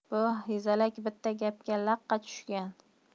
bu hezalak bitta gapga laqqa tushgan